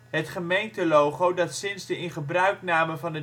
Het gemeentelogo dat sinds de ingebruikname van